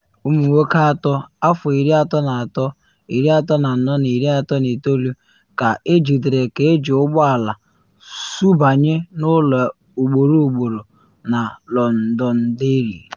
Ụmụ nwoke atọ, afọ 33, 34, na 39, ka ejidere ka eji ụgbọ ala sụbanye n’ụlọ ugboro ugboro na Londonderry.